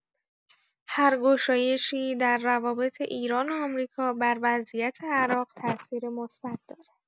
هر گشایشی در روابط ایران و آمریکا بر وضعیت عراق تاثیر مثبت دارد.